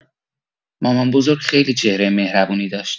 مامان‌بزرگ خیلی چهرۀ مهربونی داشت.